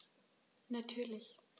Natürlich.